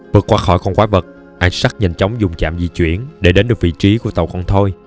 vượt qua khỏi con quái vật isaac nhanh chóng dùng trạm di chuyển để đến được vị trí của tàu con thoi